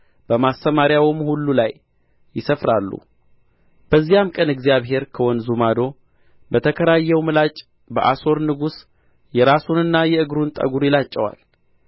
በማሰማርያውም ሁሉ ላይ ይሰፍራሉ በዚያም ቀን እግዚአብሔር ከወንዙ ማዶ በተከራየው ምላጭ በአሦር ንጉሥ የራሱንና የእግሩን ጠጕር ይላጨዋል